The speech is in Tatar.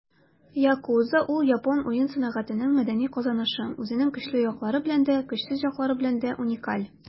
Yakuza - ул япон уен сәнәгатенең мәдәни казанышы, үзенең көчле яклары белән дә, көчсез яклары белән дә уникаль.